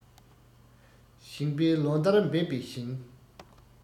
ཞིང པས ལོ ཟླར འབད པའི ཞིང